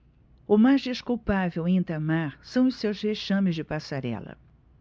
o mais desculpável em itamar são os seus vexames de passarela